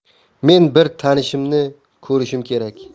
men bir tanishimni ko'rishim kerak